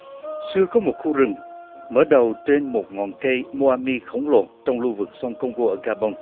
xưa có một khu rừng mở đầu trên một ngọn cây mua a mi khổng lồ trong lưu vực sông công gô ở ga bông